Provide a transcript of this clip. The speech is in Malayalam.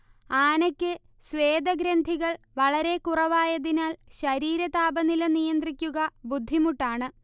ആനയ്ക്ക് സ്വേദഗ്രന്ഥികൾ വളരെക്കുറവായതിനാൽ ശരീരതാപനില നിയന്ത്രിക്കുക ബുദ്ധിമുട്ടാണ്